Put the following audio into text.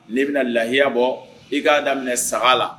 N'i bɛna lahiya bɔ i k'a daminɛ saga la